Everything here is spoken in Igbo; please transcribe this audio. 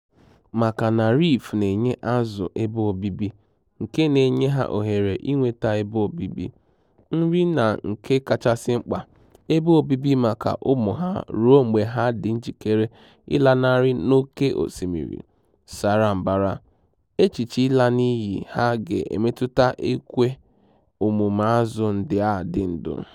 Maka na Reef na-enye azụ̀ ebe obibi nke na-enye ha ohere ịnweta ebe obibi, nri na nke kachasị mkpa, ebe obibi maka ụmụ ha ruo mgbe ha dị njikere ịlanarị n'oké osimiri sara mbara, echiche ịla n'iyi ha ga-emetụta ekwe omume azụ ndị a ịdị ndụ.